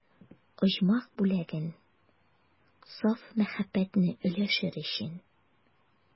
Оҗмах бүләген, саф мәхәббәтне өләшер өчен.